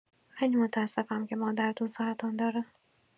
خیلی متاسفم که مادرتون سرطان داره.